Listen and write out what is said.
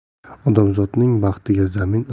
odamzodning baxtiga zamin